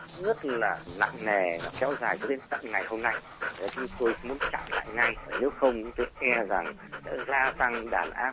rất là nặng nề và kéo dài cho đến tận ngày hôm nay và chúng tôi muốn trả lại ngay nếu không tôi e rằng sẽ gia tăng đàn áp